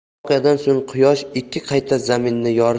shu voqeadan so'ng quyosh ikki qayta zaminni